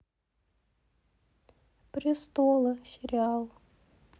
престолы сериал